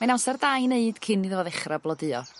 mae'n amsar da i neud cyn iddo fo ddechra blodeuo.